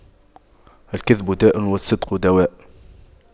الكذب داء والصدق دواء